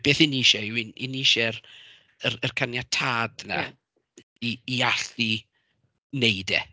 Beth 'y ni isie yw, 'y 'y ni isie yr yr yr caniatâd 'na... ie. ...i i allu wneud e.